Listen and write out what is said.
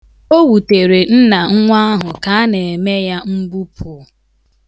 O wutere nna nwa ahụ ka a na-eme ya na mgbupụ.